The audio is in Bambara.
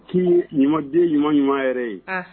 K'i ɲumanden ɲuman ɲuman yɛrɛ ye